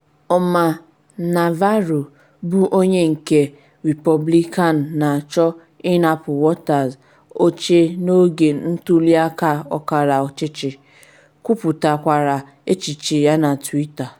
Omar Navarro, bụ onye nke Repọblikan na-achọ ịnapụ Waters oche n’oge ntuli aka ọkara ọchịchị, kwuputakwara echiche ya na Twitter.